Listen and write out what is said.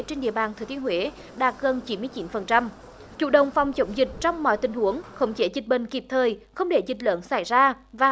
trên địa bàn thừa thiên huế đạt gần chín mươi chín phần trăm chủ động phòng chống dịch trong mọi tình huống khống chế dịch bệnh kịp thời không để dịch lớn xảy ra và